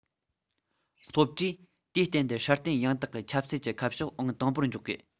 སློབ གྲྭས དུས གཏན དུ སྲ བརྟན ཡང དག གི ཆབ སྲིད ཀྱི ཁ ཕྱོགས ཨང དང པོར འཇོག དགོས